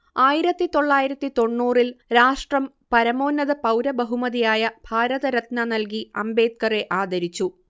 ആയിരത്തി തൊള്ളായിരത്തി തൊണ്ണൂറിൽ രാഷ്ട്രം പരമോന്നത പൗരബഹുമതിയായ ഭാരതരത്ന നല്കി അംബേദ്കറെ ആദരിച്ചു